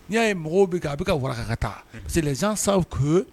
Ni' ye mɔgɔw bɛ kan a bɛ ka furakɛka taa sa ko